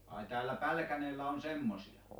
ai täällä Pälkäneellä on semmoisia